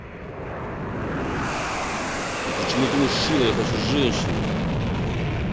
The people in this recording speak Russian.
а почему ты мужчина я хочу женщину